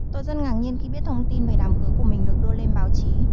tôi rất ngạc nhiên khi biết thông tin về đám cưới của mình được đưa lên báo chí